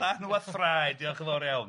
Llanw a thraed, diolch yn fawr iawn.